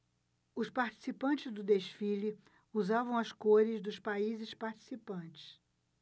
os participantes do desfile usavam as cores dos países participantes